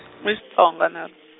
i Xitsonga nharu.